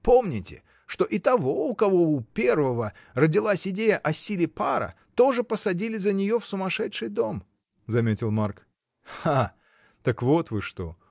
Помните, что и того, у кого у первого родилась идея о силе пара, тоже посадили за нее в сумасшедший дом, — заметил Марк. так вот вы что!